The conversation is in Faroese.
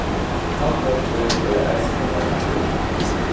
haldórsvík er eisini nevnd vík